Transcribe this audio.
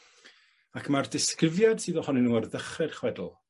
Ac ma'r disgrifiad sydd ohonyn nw ar ddychre'r chwedl